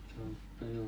juupa juu